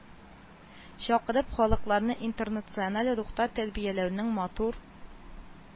Чакырып, халыкларны интернациональ рухта тәрбияләүнең матур